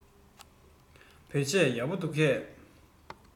བོད ཆས ཡག པོ འདུག གས